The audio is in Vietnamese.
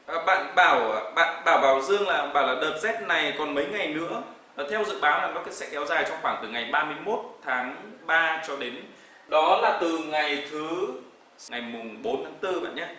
bạn bảo bạn bảo bảo dương là bảo là đợt rét này còn mấy ngày nữa theo dự báo rằng nó sẽ kéo dài trong khoảng từ ngày ba mươi mốt tháng ba cho đến đó là từ ngày thứ ngày mùng bốn tháng tư bạn nhé